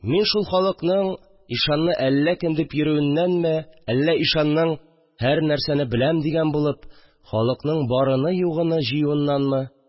Мин, шул халыкның ишанны әллә кем дип йөрүеннәнме, әллә ишанның, һәр нәрсәне беләм дигән булып, халыкның барыны-югыны җыюыннанмы